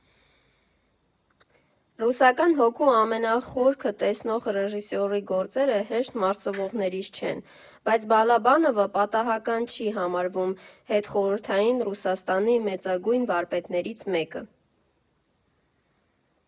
Ռուսական հոգու ամենախորքը տեսնող ռեժիսորի գործերը հեշտ մարսվողներից չեն, բայց Բալաբանովը պատահական չի համարվում հետխորհրդային Ռուսաստանի մեծագույն վարպետներից մեկը։